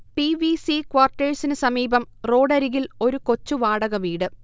P. V. C ക്വാർട്ടേഴ്സിന് സമീപം റോഡരികിൽ ഒരു കൊച്ചുവാടകവീട്